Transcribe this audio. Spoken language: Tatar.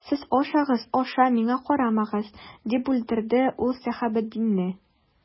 Сез ашагыз, аша, миңа карамагыз,— дип бүлдерде ул Сәхәбетдинне.